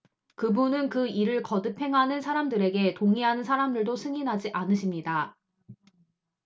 그분은 그 일을 거듭 행하는 사람들에게 동의하는 사람들도 승인하지 않으십니다